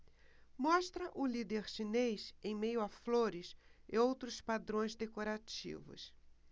mostra o líder chinês em meio a flores e outros padrões decorativos